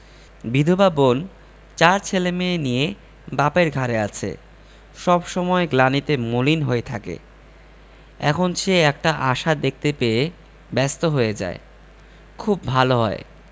বিধবা বোন চার ছেলেমেয়ে নিয়ে বাপের ঘাড়ে আছে সব সময় গ্লানিতে মলিন হয়ে থাকে এখন সে একটা আশা দেখতে পেয়ে ব্যস্ত হয়ে যায় খুব ভালো হয়